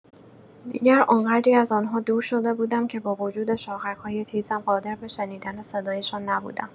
دیگر آنقدری از آنها دور شده بودم که با وجود شاخک‌های تیزم قادر به شنیدن صدایشان نبودم.